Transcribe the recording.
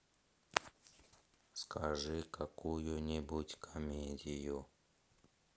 скажи какую нибудь комедию